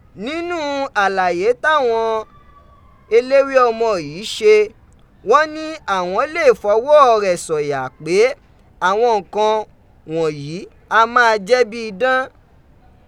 Ninu alaye tawọn elewe ọmọ yi ṣe wọn ni awọn le fọwọ rẹ sọya pe awọn nkan wọn yi a maa jẹ bi idan.